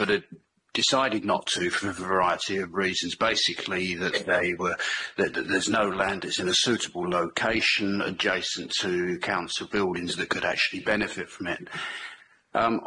but it decided not to for a variety of reasons, basically that they were that there's no land that's in a suitable location adjacent to council buildings that could actually benefit from it.